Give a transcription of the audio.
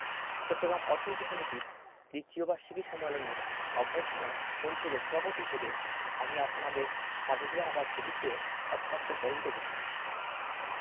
চট্টগাম অর্থনীতি সমিতির দ্বিতীয় বার্ষিক সম্মেলনের অভ্যর্থনা পরিষদের সভাপতি হিসেবে আমি আপনাদের স্বাগত জানাবার সুযোগ পেয়ে অত্যন্ত গর্বিত বোধ করছি